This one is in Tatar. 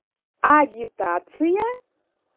Агитация?!